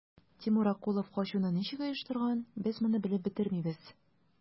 Тимур Акулов качуны ничек оештырган, без моны белеп бетермибез.